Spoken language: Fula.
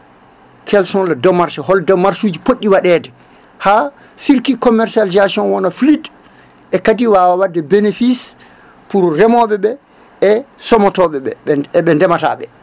quels sont les démarches hol démarche uji poɗɗi waɗede ha circuit commercialisation wona fluide e kadi wawa wadde bénéfice pour remoɓeɓe e somotoɓeɓe eɓe ndemataɓe